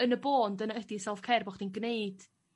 yn y bôn dyna ydi self care bo' chdi'n gneud